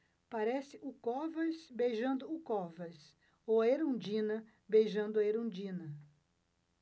parece o covas beijando o covas ou a erundina beijando a erundina